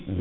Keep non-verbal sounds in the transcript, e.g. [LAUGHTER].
[HESITATION] [HESITATION]